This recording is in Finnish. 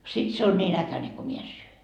sitten se on niin äkäinen kun minä en syö